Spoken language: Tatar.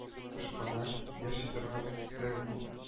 Ышпана яши торган төбәк ул